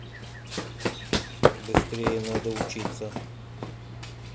быстрее надо учиться